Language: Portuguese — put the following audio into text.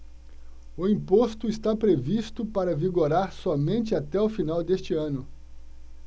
o imposto está previsto para vigorar somente até o final deste ano